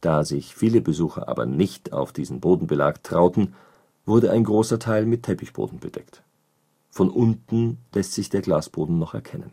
Da sich viele Besucher aber nicht auf diesen „ Bodenbelag “trauten, wurde ein großer Teil mit Teppichboden bedeckt. Von unten lässt sich der Glasboden noch erkennen